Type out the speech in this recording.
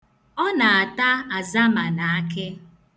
Ọ na-ata azama na akị.